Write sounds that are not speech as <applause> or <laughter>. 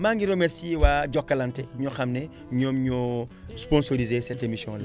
<music> maa ngi remercié waa Jokalante ñoo xam ne ñoom ñoo sponsorisé cette émission là